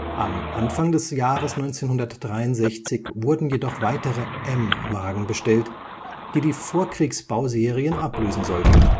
Am Anfang des Jahres 1963 wurden jedoch weitere M-Wagen bestellt, die die Vorkriegsbauserien ablösen sollten